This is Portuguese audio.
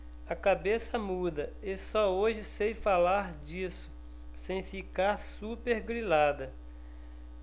a cabeça muda e só hoje sei falar disso sem ficar supergrilada